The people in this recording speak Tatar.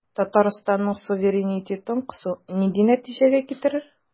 Татарстанның суверенитетын кысу нинди нәтиҗәгә китерер?